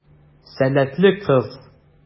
Сәләтле кыз.